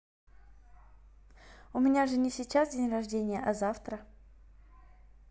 у меня же не сейчас день рождения а завтра